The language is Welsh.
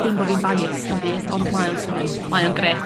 Dim bo' fi'n baised na'm byd ond mae o'n swnio... Mae o'n grêt.